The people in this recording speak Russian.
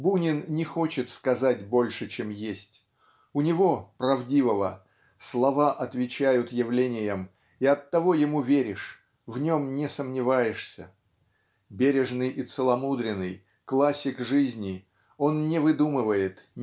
Бунин не хочет сказать больше, чем есть у него правдивого слова отвечают явлениям и оттого ему веришь в нем не сомневаешься. Бережный и целомудренный классик жизни он не выдумывает